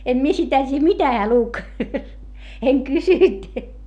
en minä sitä tiedä mitä hän luki en kysynyt